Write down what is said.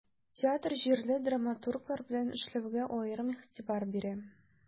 Театр җирле драматурглар белән эшләүгә аерым игътибар бирә.